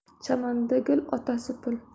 chamanda gul otasi pul